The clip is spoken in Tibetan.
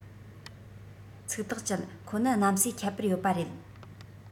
ཚིག ཐག བཅད ཁོ ནི གནམ སའི ཁྱད པར ཡོད པ རེད